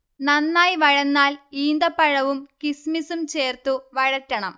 നന്നായി വഴന്നാൽ ഈന്തപ്പഴവും കിസ്മിസും ചേർത്തു വഴറ്റണം